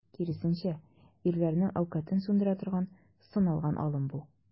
Киресенчә, ирләрнең әүкатен сүндерә торган, сыналган алым бу.